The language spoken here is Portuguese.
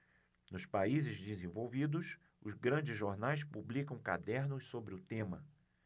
nos países desenvolvidos os grandes jornais publicam cadernos sobre o tema